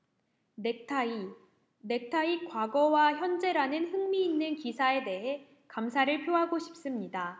넥타이 넥타이 과거와 현재라는 흥미 있는 기사에 대해 감사를 표하고 싶습니다